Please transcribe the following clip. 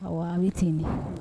Ayiwa a bɛ ten di